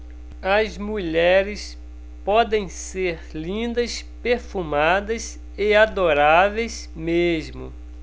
as mulheres podem ser lindas perfumadas e adoráveis mesmo